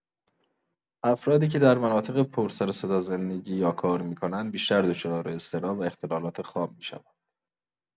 افرادی که در مناطق پرسر و صدا زندگی یا کار می‌کنند، بیشتر دچار اضطراب و اختلالات خواب می‌شوند.